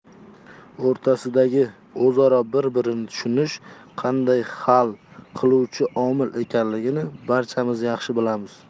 o'rtasidagi o'zaro bir birini tushunish qanday hal qiluvchi omil ekanini barchamiz yaxshi bilamiz